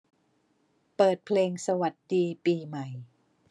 เปิดเพลงสวัสดีปีใหม่